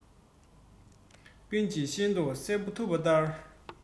ཀུན གྱིས ཤེས རྟོགས གསལ པོ ཐུབ པ ལྟར